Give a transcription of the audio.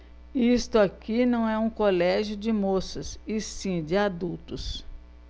isto aqui não é um colégio de moças e sim de adultos